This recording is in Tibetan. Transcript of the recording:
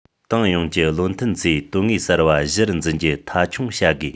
ཏང ཡོངས ཀྱི བློ མཐུན ཚོས དོན དངོས གསར པ གཞིར འཛིན རྒྱུ མཐའ འཁྱོངས བྱ དགོས